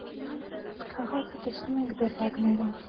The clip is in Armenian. Քաղաքը տեսնում ենք դրվագներով։